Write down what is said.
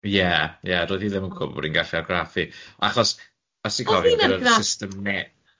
Ie ie doedd hi ddim yn gwbod bod hi'n gallu argraffu, achos os ti'n cofio ... O'dd hi'n argraffu...